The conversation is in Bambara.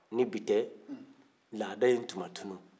ni bi tɛ laada in tun ma tunun